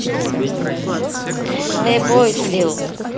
the boys will